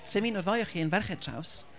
sdim un o'r ddoi o chi yn ferched traws.